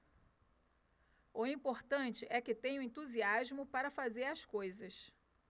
o importante é que tenho entusiasmo para fazer as coisas